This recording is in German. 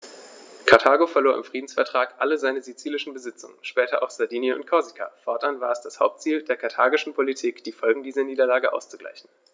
Karthago verlor im Friedensvertrag alle seine sizilischen Besitzungen (später auch Sardinien und Korsika); fortan war es das Hauptziel der karthagischen Politik, die Folgen dieser Niederlage auszugleichen.